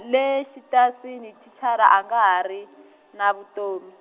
le xitasini thicara a nga ha ri, na vutomi.